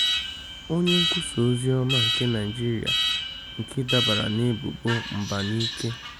Onye Nkwusa Oziọma nke Naịjirịa nke dabara n'ebubo mbanike